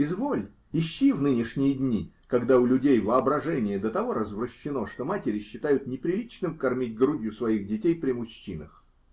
Изволь, ищи, в нынешние дни, когда у людей воображение до того развращено, что матери считают неприличным кормить грудью своих детей при мужчинах.